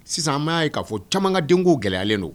Sisan an b'a ye k'a fɔ caaman ka denko gɛlɛyalen don.